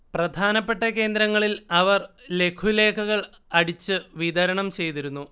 പ്രധാനപ്പെട്ട കേന്ദ്രങ്ങളിൽ അവർ ലഘുലേഖകൾ അടിച്ചു വിതരണം ചെയ്തിരുന്നു